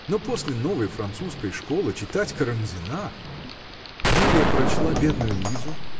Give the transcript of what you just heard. Но после новой французской школы читать Карамзина! Юлия прочла Бедную Лизу